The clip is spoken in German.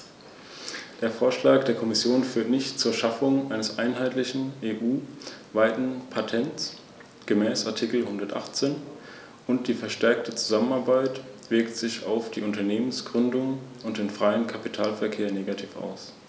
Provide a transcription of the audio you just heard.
Daher ist es nicht annehmbar, die Umsetzung auf einen späteren Zeitpunkt zu verschieben.